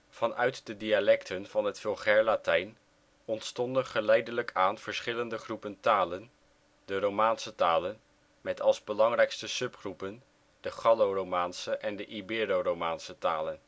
Vanuit de dialecten van het vulgair Latijn ontstonden geleidelijk aan verschillende groepen talen: de Romaanse talen, met als belangrijkste subgroepen de Gallo-Romaanse en de Ibero-Romaanse talen